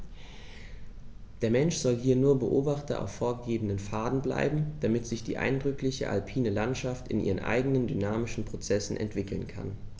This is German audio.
Der Mensch soll hier nur Beobachter auf vorgegebenen Pfaden bleiben, damit sich die eindrückliche alpine Landschaft in ihren eigenen dynamischen Prozessen entwickeln kann.